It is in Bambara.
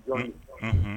H